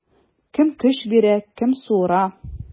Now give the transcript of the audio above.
Кем көч бирә, кем суыра.